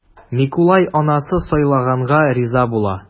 Микулай анасы сайлаганга риза була.